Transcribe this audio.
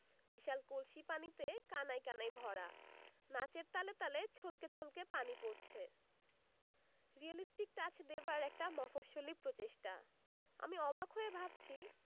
বিশাল কলসি পানিতে কনায় কানায় ভরা নাচের তালে তালে ছলকে ছলকে পানি পড়ছে রিয়েলিস্টিক টাচ্ দেবার একটা মফস্বলী প্রচেষ্টা আমি অবাক হয়ে ভাবছি